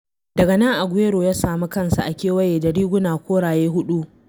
Daga nan Aguero ya sami kansa a kewaye da riguna koraye huɗu.